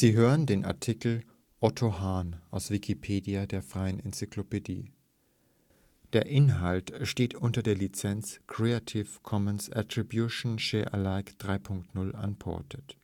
hören den Artikel Otto Hahn, aus Wikipedia, der freien Enzyklopädie. Mit dem Stand vom Der Inhalt steht unter der Lizenz Creative Commons Attribution Share Alike 3 Punkt 0 Unported